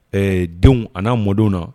Ɛɛ denw a n'a mɔdenw na